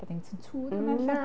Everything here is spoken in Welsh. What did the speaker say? Paddington Two ydy hwnna ella?